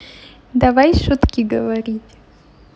давай шутки говорить